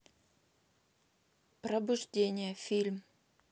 пробуждение фильм